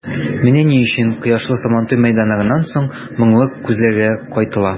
Менә ни өчен кояшлы Сабантуй мәйданнарыннан соң моңлы күзләргә кайтыла.